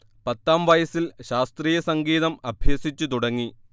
പത്താം വയസിൽ ശാസ്ത്രീയ സംഗീതം അഭ്യസിച്ചു തുടങ്ങി